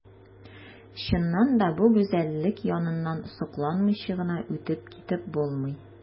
Чыннан да бу гүзәллек яныннан сокланмыйча гына үтеп китеп булмый.